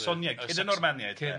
Saxoniaid cyn y Normaniaid de.